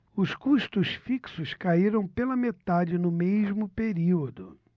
os custos fixos caíram pela metade no mesmo período